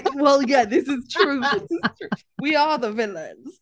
Well, yeah, this is true, this is true. We are the villains.